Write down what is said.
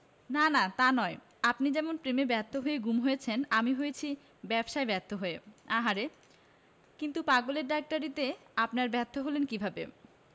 না না তা নয় আপনি যেমন প্রেমে ব্যর্থ হয়ে গুম হয়েছেন আমি হয়েছি ব্যবসায় ব্যর্থ হয়ে আহা রে কিন্তু পাগলের ডাক্তারিতে আবার ব্যর্থ হলেন কীভাবে